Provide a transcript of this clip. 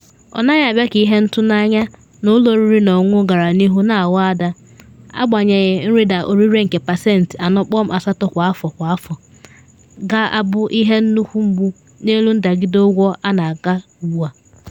Ọ naghị abịa ka ihe ntụnanya na ụlọ oriri na ọṅụṅụ gara n’ihu na aghọ ada, agbanyeghị nrịda ọrịre nke pasentị 4.8 kwa afọ kwa afọ ga-abụ ihe nnukwu mgbu n’elu ndagide ụgwọ na aga ugbu a.